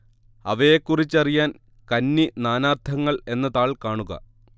അവയെക്കുറിച്ചറിയാൻ കന്നി നാനാർത്ഥങ്ങൾ എന്ന താൾ കാണുക